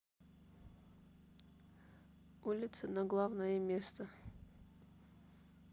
улица на главная места